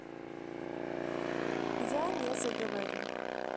я не заговорю